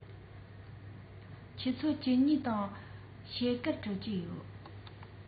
ཆུ ཚོད བཅུ གཉིས དང ཕྱེད ཀར གྲོལ གྱི རེད